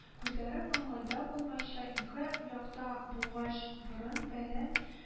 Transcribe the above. Күзләре маңгайда булмайча ике якта булгач, борын бәлән